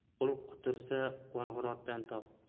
qul qutursa qo'ng'irotdan top